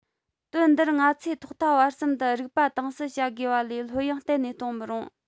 དོན འདིར ང ཚོས ཐོག མཐའ བར གསུམ དུ རིག པ དྭངས གསལ བྱ དགོས པ ལས ལྷོད གཡེང གཏན ནས གཏོང མི རུང